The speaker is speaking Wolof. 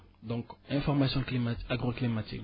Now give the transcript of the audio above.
donc information climatique agroclimatique